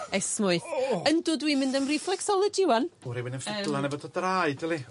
Esmwyth. Yndw dwi'n mynd am reflexology 'wan. O rywun yn ffidlan efo dy draed yli.